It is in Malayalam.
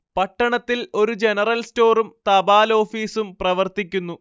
പട്ടണത്തിൽ ഒരു ജനറൽ സ്റ്റോറും തപാലോഫീസും പ്രവർത്തിക്കുന്നു